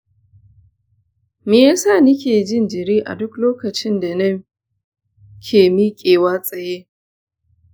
me yasa nike jin jiri a duk lokacin da nike miƙewa tsaye?